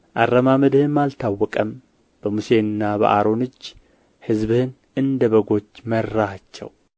አረማመድህም አልታወቀም በሙሴና በአሮን እጅ ሕዝብህን እንደ በጎች መራሃቸው